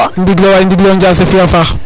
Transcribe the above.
ndigil o waay ndigilo Njase fi'a faax